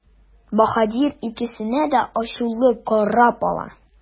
Баһадир икесенә дә ачулы карап ала.